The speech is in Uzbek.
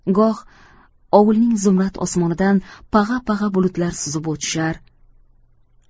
goh ovulning zumrad osmonidan pag'a pag'a bulutlar suzib o'tishar